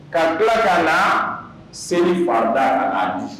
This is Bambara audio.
Ka bila ka na selinifada la di